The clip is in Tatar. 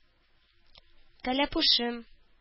Кәләпүшем